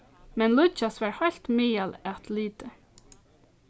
men líggjas var heilt miðal at liti